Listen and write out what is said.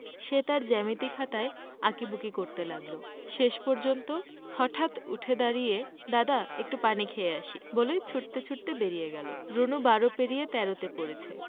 সে তার জ্যামিতি খাতায় আঁকিঝুকি করতে লাগলো শেষ পর্যন্ত হঠাৎ উঠে দাড়িয়ে দাদা একটু পানি খেয়ে আসি বলে ছুটতে ছুটতে বেরিয়ে গেল রুনু বারো পেরিয়ে তেরোতে পড়েছে